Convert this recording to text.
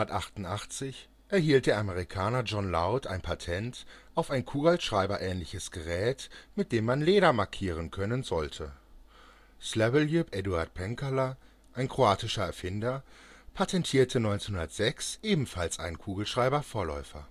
1888 erhielt der Amerikaner John J. Loud ein Patent auf ein kugelschreiberähnliches Gerät, mit dem man Leder markieren können sollte. Slavoljub Eduard Penkala, ein kroatischer Erfinder, patentierte 1906 ebenfalls einen Kugelschreiber-Vorläufer